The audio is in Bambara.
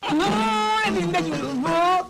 Sansonininɛ yo